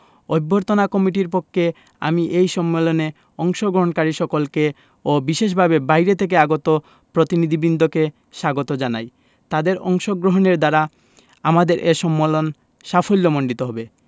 অভ্যর্থনা কমিটির পক্ষে আমি এই সম্মেলনে অংশগ্রহণকারী সকলকে ও বিশেষভাবে বাইরে থেকে আগত প্রতিনিধিবৃন্দকে স্বাগত জানাই তাদের অংশগ্রহণের দ্বারা আমাদের এ সম্মেলন সাফল্যমণ্ডিত হবে